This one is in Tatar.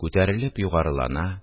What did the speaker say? Күтәрелеп югарылана